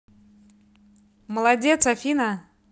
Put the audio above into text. молодец афина